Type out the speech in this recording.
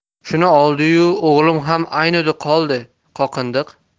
shuni oldi yu o'g'lim ham aynidi qoldi qoqindiq